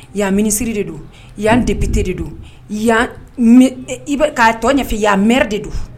Y'an ministre de don, yan député de don, yan i bɛ k'a tɔ ɲɛfɔ i ye maire de don